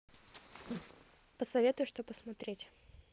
посоветуй что посмотреть